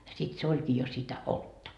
sitten se olikin jo sitä olutta